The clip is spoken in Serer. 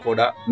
yaqooɗaa